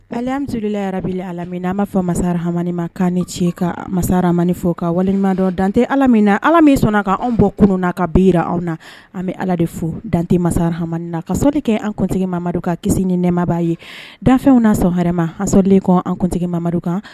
Ale ansla yɛrɛrabi a ala min an b'a fɔ masa hamamani ma kan ni ce ka masamaniin fo ka walimadɔ dantɛ ala min na ala min sɔnna a ka anw bɔ kunun na ka bira an na an bɛ ala de fo dante masa hamani na ka sodi kɛ an kuntigimadu kan ki kisi ni nɛmabaa ye dafɛnw naa sɔnma hasaden ko an kuntigi mamamadu kan